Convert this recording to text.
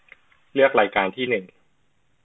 เลือกรายการที่หนึ่ง